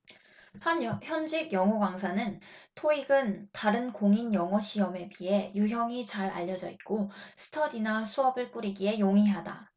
한 현직 영어강사는 토익은 다른 공인영어시험에 비해 유형이 잘 알려져 있고 스터디나 수업을 꾸리기에 용이하다